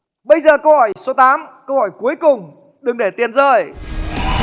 bây giờ câu hỏi số tám câu hỏi cuối cùng đừng để tiền rơi